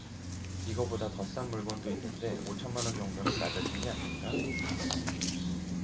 이거보다 더 싼 물건도 있는데 오 천만 원 정도는 낮아진 게 아닌가